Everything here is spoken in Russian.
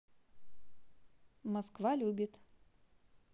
москва любит